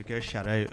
I ka sariya ye